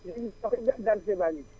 bind carte d' identité baa ngii